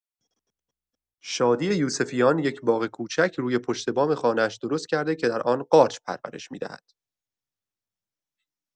شادی یوسفیان، یک باغ کوچک روی پشت‌بام خانه‌اش درست کرده که در آن قارچ پرورش می‌دهد.